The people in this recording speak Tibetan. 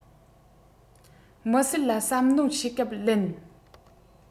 མི སེར ལ གསབ སྣོན བྱེད སྐབས ལེན